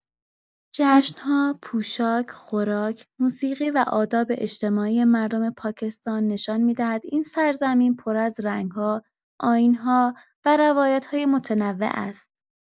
جشن‌ها، پوشاک، خوراک، موسیقی و آداب اجتماعی مردم پاکستان نشان می‌دهد این سرزمین پر از رنگ‌ها، آیین‌ها و روایت‌های متنوع است.